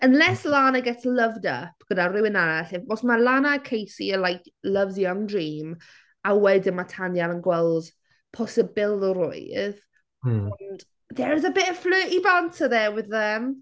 Unless Lana gets loved up gyda rhywun arall, yy os mae Lana a Casey yn like, loves young dream a wedyn mae Tanyel yn gweld posibilrwydd... hmm ...ond there is a bit of flirty banter there with them.